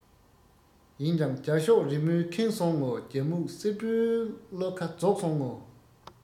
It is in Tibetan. ཡིན ཀྱང རྒྱ ཤོག རི མོས ཁེངས སོང ངོ རྒྱ སྨྱུག གསེར པོའི བློ ཁ རྫོགས སོང ངོ